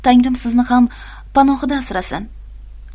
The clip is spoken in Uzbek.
tangrim sizni ham panohida asrasin